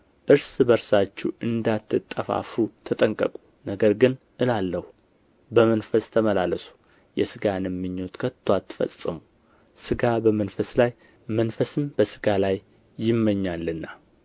እርስ በርሳችሁ እንዳትጠፋፉ ተጠንቀቁ ነገር ግን እላለሁ በመንፈስ ተመላለሱ የሥጋንም ምኞት ከቶ አትፈጽሙ ሥጋ በመንፈስ ላይ መንፈስም በሥጋ ላይ ይመኛልና